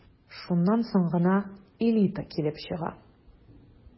Шуннан соң гына «элита» килеп чыга...